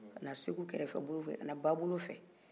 kana sekou kɛrɛfɛ bolo fɛ kana ba bolo fɛ